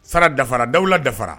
Sara dafara dawula dafara